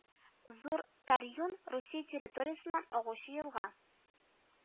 Зур Таръюн Русия территориясеннән агучы елга